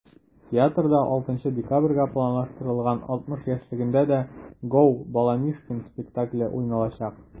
Театрда 6 декабрьгә планлаштырылган 60 яшьлегендә дә “Gо!Баламишкин" спектакле уйналачак.